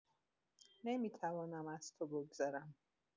نمی‌توانم از تو بگذرم!